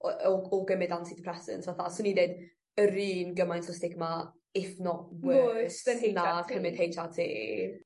...o o w- o gymyd anti depressant fatha swn i deud yr un gymaint o stigma if not worse na cymyd Heitch Are Tee.